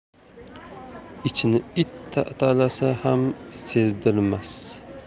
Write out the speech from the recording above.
ichini it tatalasa ham sezdirmas